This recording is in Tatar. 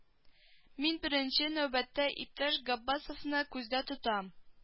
Мин беренче нәүбәттә иптәш габбасовны күздә тотам